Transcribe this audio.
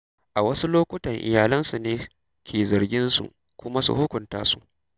A wasu lokutan, iyalansu ne ke zarginsu kuma su hukunta su.